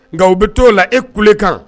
Nka u bɛ t'o la e kulekan